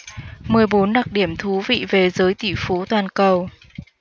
mười bốn đặc điểm thú vị về giới tỷ phú toàn cầu